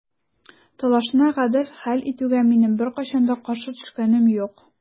Талашны гадел хәл итүгә минем беркайчан да каршы төшкәнем юк.